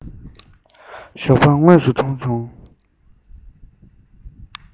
ཞོགས པ དངོས སུ མཐོང བྱུང